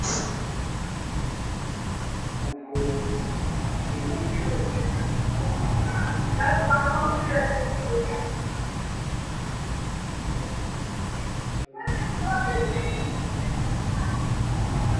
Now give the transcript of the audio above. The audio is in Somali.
Meeshaan waxaa iga muuqda laba qof oo guduud iyo caddaan ah waxayna saarin yihiin meel guduud ah